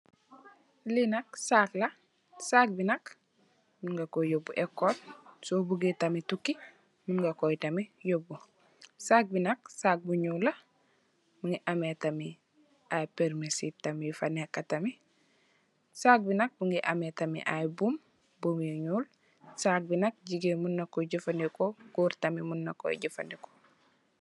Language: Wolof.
Li nak sak la sak bi nak man nga Koy yobu ekol , so bugéé tamit tukii am nga koy demèè. Sak bi nak sak bu ñuul la mugii ameh tamid ay fermetirr tamid yu fa nekka tamid. Sak bi mugii ameh tamit ay buum, buum yu ñuul. Sak bi nak jigeen mum na koy jafandiko gór tamid mun na koy jafandiko.